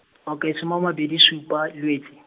okay, soma a mabedi supa, Lwetse.